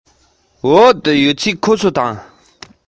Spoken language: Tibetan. ཁམ སྡོང གི ཡལ གའི ཐོག གི